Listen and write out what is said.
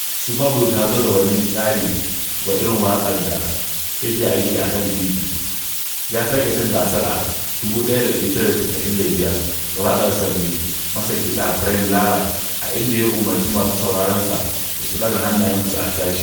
Super Blue ta zo da wani tsari wa irin waƙar da take aiki a kan titi: ya sake cin gasar a 1995 da waƙarsa da mai masa kiɗa Brian Lara, a inda ya umarci masu sauraronsa da su "ɗaga hannayensu a cashe".